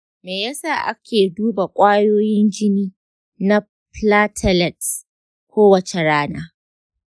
me ya sa ake duba ƙwayoyin jini na platelets kowace rana?